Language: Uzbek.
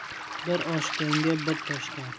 bir oshganga bir toshgan